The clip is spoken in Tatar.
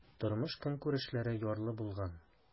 Тормыш-көнкүрешләре ярлы булган.